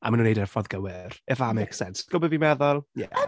A maen nhw’n wneud e’r ffordd gywir, if that makes sense. Gwybod beth fi’n meddwl? Ie.